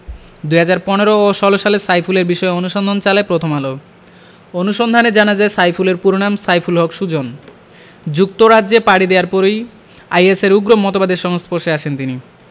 ২০১৫ ও ২০১৬ সালে সাইফুলের বিষয়ে অনুসন্ধান চালায় প্রথম আলো অনুসন্ধানে জানা যায় সাইফুলের পুরো নাম সাইফুল হক সুজন যুক্তরাজ্যে পাড়ি দেয়ার পরই আইএসের উগ্র মতবাদের সংস্পর্শে আসেন তিনি